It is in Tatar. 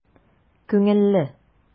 Күңелле!